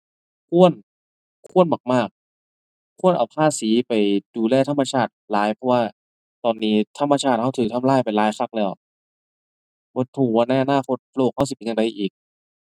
ควร ควรมากมาก ควรเอาภาษีไปดูแลธรรมชาติหลายกว่า ตอนนี้ธรรมชาติเราเราทำลายไปหลายคักแล้ว บ่เราว่าในอนาคตโลกเราสิเป็นจั่งใดอีก